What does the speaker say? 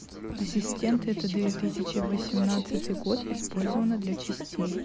ассистенты это две тысячи восемнадцатый год использовано для частей